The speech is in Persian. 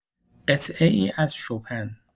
قطعه‌ای از شوپن